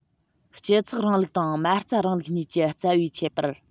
སྤྱི ཚོགས རིང ལུགས དང མ རྩའི རིང ལུགས གཉིས ཀྱི རྩ བའི ཁྱད པར